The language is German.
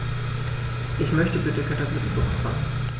Ich möchte bitte Kartoffelsuppe kochen.